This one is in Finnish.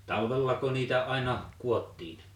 talvellako niitä aina kudottiin